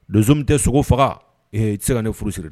Donso min tɛ sogo faga tɛ ka ne furu siri dɛ